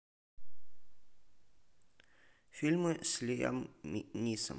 фильмы с лиам нисон